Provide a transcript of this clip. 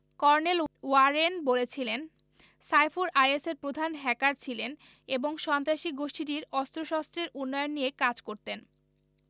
colonel Warren বলেছিলেন সাইফুল আইএসের প্রধান হ্যাকার ছিলেন এবং সন্ত্রাসী গোষ্ঠীটির অস্ত্রশস্ত্রের উন্নয়ন নিয়ে কাজ করতেন